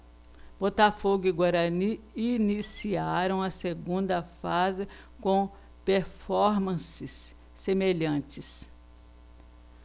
botafogo e guarani iniciaram a segunda fase com performances semelhantes